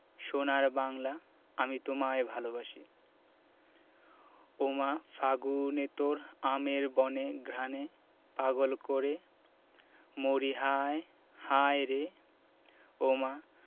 সোনার বাংলা আমি তোমায় ভালোবাসি ওমা ফাগুনে তোর আমের বনে ঘ্রাণে পাগল করে মরিহায় হায়রে ওমা